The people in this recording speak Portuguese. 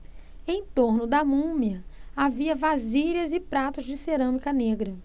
em torno da múmia havia vasilhas e pratos de cerâmica negra